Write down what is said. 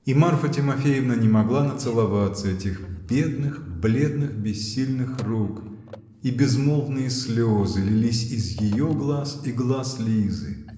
и Марфа Тимофеевна не могла нацеловаться этих бедных, бледных, бессильных рук -- и безмолвные слезы лились из ее глаз и глаз Лизы